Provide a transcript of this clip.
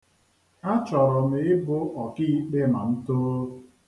Achọrọ m ịbụ ọkiikpe ma m too.